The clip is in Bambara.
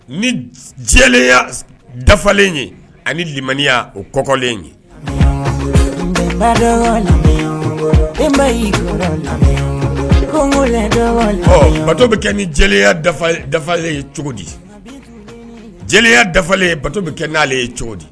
Niya dafalen animaniya o kɔkɔlento bɛ kɛ ni jeliya dafalen cogodi jeliyaya dafalen yeto bɛ kɛ n'ale ye cogodi